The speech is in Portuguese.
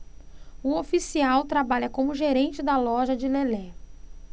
o oficial trabalha como gerente da loja de lelé